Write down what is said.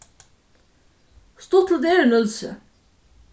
stuttligt er í nólsoy